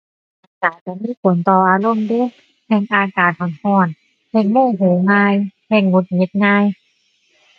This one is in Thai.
อากาศก็มีผลต่ออารมณ์เดะ แฮ่งอากาศก็ก็ แฮ่งโมโหง่าย แฮ่งหงุดหงิดง่าย